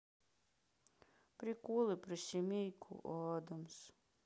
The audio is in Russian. приколы про семейку адамс